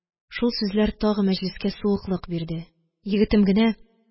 Шул сүзләр тагы мәҗлескә суыклык бирде. Егетем генә